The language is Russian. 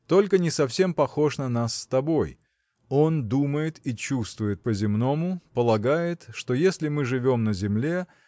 – только не совсем похож на нас с тобой. Он думает и чувствует по-земному полагает что если мы живем на земле